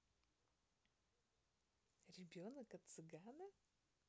ребенок от цыгана